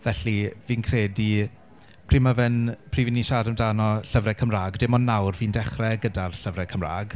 Felly fi'n credu pryd mae fe'n... pryd fydd ni'n siarad amdano llyfrau Cymraeg, dim ond nawr fi'n dechrau gyda'r llyfrau Cymraeg.